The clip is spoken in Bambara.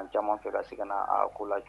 An caman fɛ ka seginna ka ko la